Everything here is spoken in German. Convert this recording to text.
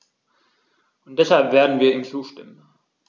Und deshalb werden wir ihm zustimmen.